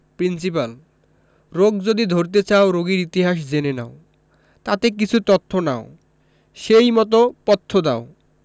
principal রোগ যদি ধরতে চাও রোগীর ইতিহাস জেনে নাও তাতে কিছু তথ্য নাও সেই মত পথ্য দাও